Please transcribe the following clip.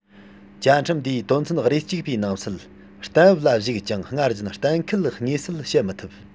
བཅའ ཁྲིམས འདིའི དོན ཚན རེ གཅིག པའི ནང གསལ གཏན འབེབས ལ གཞིགས ཀྱང སྔར བཞིན གཏན འཁེལ ངེས གསལ བྱེད མི ཐུབ